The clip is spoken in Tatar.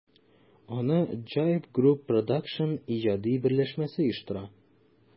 Аны JIVE Group Produсtion иҗади берләшмәсе оештыра.